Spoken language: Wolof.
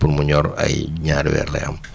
pour mu ñor ay ñaari weer lay am